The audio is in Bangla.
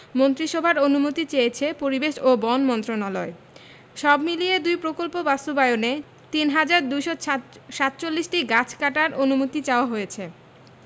মন্ত্রিসভার অনুমতি চেয়েছে পরিবেশ ও বন মন্ত্রণালয় সব মিলিয়ে দুই প্রকল্প বাস্তবায়নে ৩হাজার ২৪৭টি গাছ কাটার অনুমতি চাওয়া হয়েছে